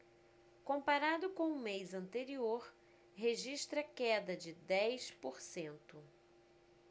comparado com o mês anterior registra queda de dez por cento